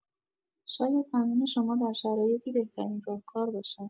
شاید قانون شما در شرایطی بهترین راهکار باشد.